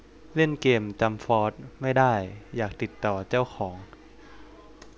เล่นเกมจั๊มฟอสไม่ได้อยากติดต่อเจ้าของ